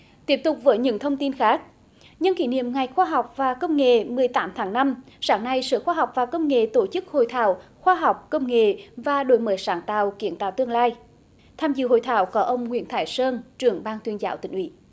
tiếp tục với những thông tin khác nhân kỷ niệm ngày khoa học và công nghệ mười tám tháng năm sáng nay sở khoa học và công nghệ tổ chức hội thảo khoa học công nghệ và đổi mới sáng tạo kiến tạo tương lai tham dự hội thảo có ông nguyễn thái sơn trưởng ban tuyên giáo tỉnh ủy